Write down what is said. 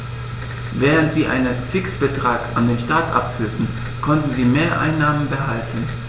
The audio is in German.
Während sie einen Fixbetrag an den Staat abführten, konnten sie Mehreinnahmen behalten.